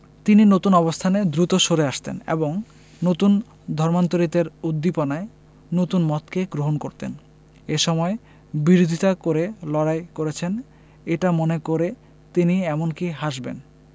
তিনি নতুন অবস্থানে দ্রুত সরে আসতেন এবং নতুন ধর্মান্তরিতের উদ্দীপনায় নতুন মতকে গ্রহণ করতেন একসময় বিরোধিতা করে লড়াই করেছেন এটা মনে করে তিনি এমনকি হাসবেন